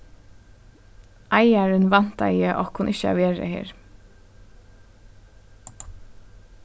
eigarin væntaði okkum ikki at vera her